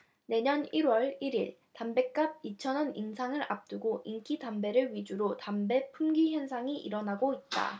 내년 일 월 일 일 담뱃값 이 천원 인상을 앞두고 인기 담배를 위주로 담배 품귀 현상이 일어나고 있다